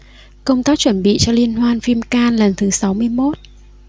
công tác chuẩn bị cho liên hoan phim cannes lần thứ sáu mươi mốt